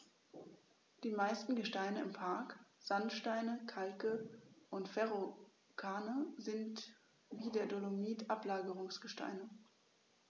Die meisten Gesteine im Park – Sandsteine, Kalke und Verrucano – sind wie der Dolomit Ablagerungsgesteine.